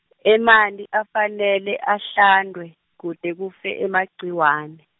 emanti afanele ahlantwe, kute kufe emagciwane.